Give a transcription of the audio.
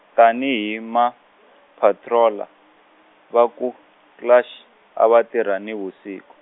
tani hi ma patroller va ku Klux, a va tirha ni vusiku.